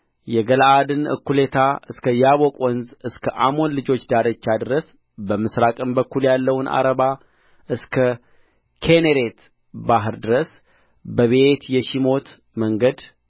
የገለዓድን እኩሌታ እስከ ያቦቅ ወንዝ እስከ አሞን ልጆች ዳርቻ ድረስ በምሥራቅም በኩል ያለውን ዓረባ እስከ ኪኔሬት ባሕር ድረስ በቤትየሺሞት መንገድ